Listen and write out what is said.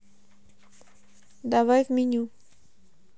давай в меню